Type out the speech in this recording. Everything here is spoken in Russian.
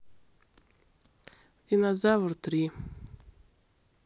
динозавр три